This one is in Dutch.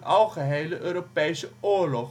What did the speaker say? algehele Europese oorlog.